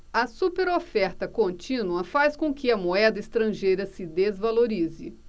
a superoferta contínua faz com que a moeda estrangeira se desvalorize